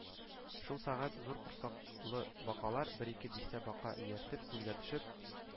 Шул сәгать зур корсаклы бакалар, бер-ике дистә бака ияртеп, күлгә төшеп